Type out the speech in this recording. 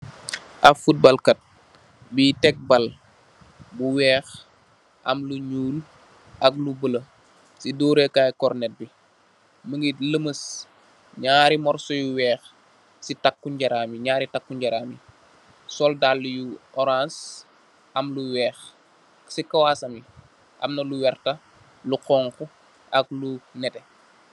Ahb football kat bii tek bal bu wekh, am lu njull ak lu bleu, cii doreh kaii corneh bii, mungy lohmoss njaari morsoh yu wekh cii takue njehram bii, njaaru takue njehram bii, sol daalue yu ohrance am lu wekh, cii kawassam bii amna lu vertah, lu khonku, ak lu nehteh.